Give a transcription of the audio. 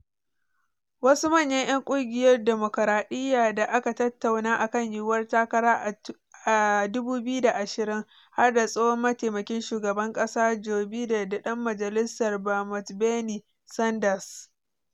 Wasu manyan ‘yan Kungiyar Dimokuradiyya da aka tattauna akan yiyuwar takara a 2020 har da tsohon Mataimakin Shugaban Kasa Joe Biden da Dan Majalisar Vermont Bernie Sanders.